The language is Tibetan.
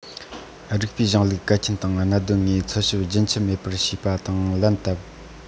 རིགས པའི གཞུང ལུགས གལ ཆེན དང གནད དོན དངོས འཚོལ ཞིབ རྒྱུན ཆད མེད པར བྱས པ དང ལན བཏབ